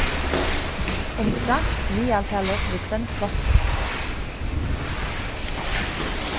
umframt miðaltalið fyri hvønn flokkin